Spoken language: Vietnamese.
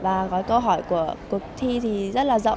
và gói câu hỏi của cuộc thi thì rất là rộng